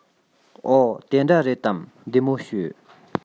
འོ དེ འདྲ རེད དམ བདེ མོ བྱོས